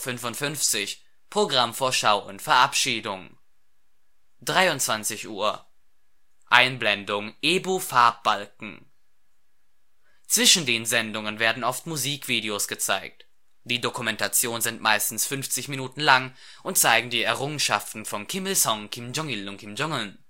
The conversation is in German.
22:55 Programmvorschau und Verabschiedung 23:00 Einblendung EBU-Farbbalken Zwischen den Sendungen werden oft Musikvideos gezeigt. Die Dokumentationen sind meistens 50 Minuten lang und zeigen die Errungenschaften von Kim Il-sung, Kim Jong-il und Kim Jong-un